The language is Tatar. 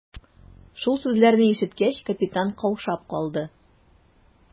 Шул сүзләрне ишеткәч, капитан каушап калды.